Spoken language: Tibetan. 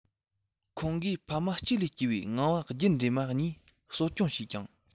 ཁོང གིས ཕ མ གཅིག ལས སྐྱེས པའི ངང པ རྒྱུད འདྲེས མ གཉིས གསོ སྐྱོང བྱས ཀྱང